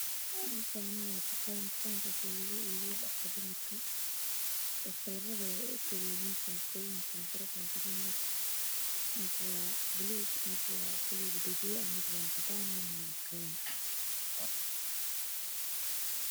Meeshaan waa dukaan oo lagu iibiyo dharka dumarka waxaan yaallo sakooyin iyo xijaabo iyo diraxyo